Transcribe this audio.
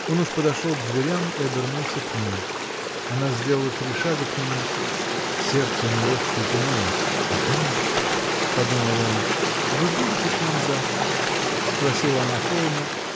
Он уж подошел к дверям и обернулся к ней. Она сделала три шага к нему. Сердце у него встрепенулось. Наконец! – подумал он. – Вы будете к нам завтра? – спросила она холодно